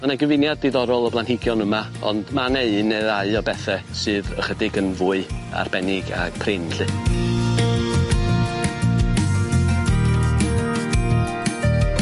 Ma' 'ne gyfuniad diddorol o blanhigion yma, ond ma' 'ne un neu ddau o bethe sydd ychydig yn fwy arbennig a prin, 'lly.